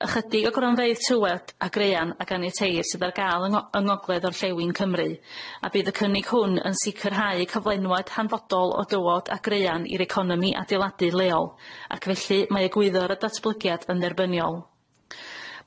Ychydig o gronfeydd tywed a graean a ganiateir sydd ar ga'l yng ngho- yng ngogledd orllewin Cymru a bydd y cynnig hwn yn sicrhau cyflenwad hanfodol o dywod a graean i'r economi adeiladu leol ac felly mae egwyddor y datblygiad yn dderbyniol.